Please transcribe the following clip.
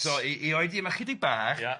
So i i oedi yma chydig bach... Ia.